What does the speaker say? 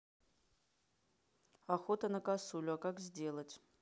охота на косулю а как сделать